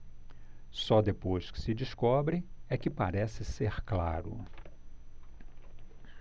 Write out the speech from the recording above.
só depois que se descobre é que parece ser claro